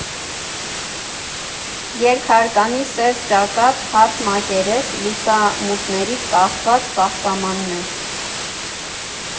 Երկհարկանի սև ճակատ, հարթ մակերես, լուսամուտներից կախված ծաղկամաններ։